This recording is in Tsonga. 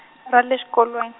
ra le xikolwen-.